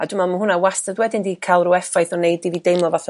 a dwi me'l ma' hwnna wastad wedyn 'di ca'l ryw effaith o neud i fi deimlo fatha'